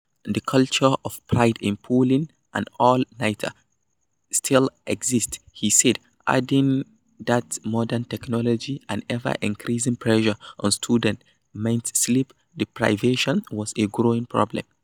The culture of pride in 'pulling an all-nighter' still exists, he said, adding that modern technology and ever-increasing pressure on students meant sleep deprivation was a growing problem.